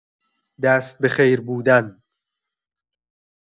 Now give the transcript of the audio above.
دست به خیر بودن